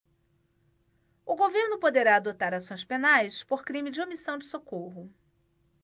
o governo poderá adotar ações penais por crime de omissão de socorro